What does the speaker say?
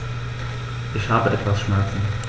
Ich habe etwas Schmerzen.